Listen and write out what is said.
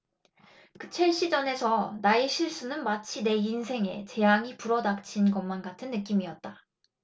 그 첼시 전에서 나의 실수는 마치 내 인생에 재앙이 불어닥친 것만 같은 느낌이었다